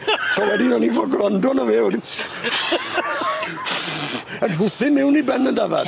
So wedyn o'n i'n fod gwrando arno fe a wedyn yn hwthu mewn i ben y dafad.